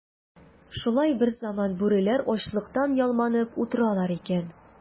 Шулай берзаман бүреләр ачлыктан ялманып утыралар икән.